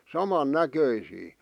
saman näköisiä